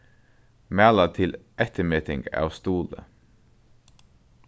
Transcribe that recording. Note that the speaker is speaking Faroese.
mæla til eftirmeting av stuðli